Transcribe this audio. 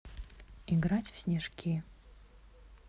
играть в снежки